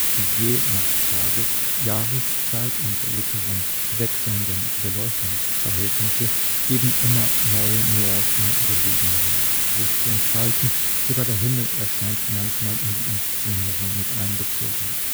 Die je nach Tages -, Jahreszeit und Witterung wechselnden Beleuchtungsverhältnisse geben immer neuen Nuancen Gelegenheit, sich zu entfalten, sogar der Himmel scheint manchmal in die Inszenierung mit einbezogen